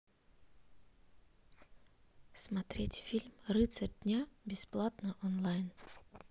смотреть фильм рыцарь дня бесплатно онлайн